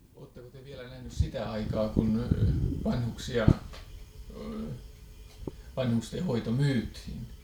oletteko te vielä nähnyt sitä aikaa kun vanhuksia vanhusten hoito myytiin